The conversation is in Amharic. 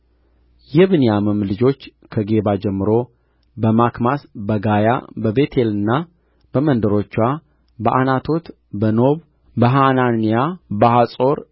የብንያምም ልጆች ከጌባ ጀምሮ በማክማስ በጋያ በቤቴልና በመንደሮችዋ በዓናቶት በኖብ በሐናንያ በሐጾር